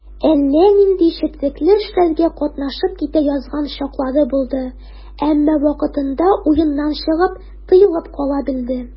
Әллә нинди четрекле эшләргә катнашып китә язган чаклары булды, әмма вакытында уеннан чыгып, тыелып кала белде.